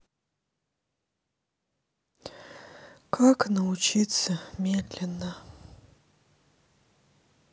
как научиться медленно